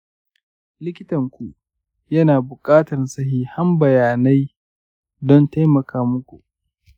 likitanku ya na buƙatar sahihan bayanai don taimaka muku.